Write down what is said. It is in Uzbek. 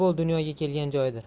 dunyoga kelgan joydir